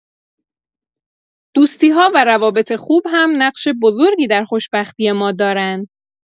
دوستی‌ها و روابط خوب هم نقش بزرگی در خوشبختی ما دارن.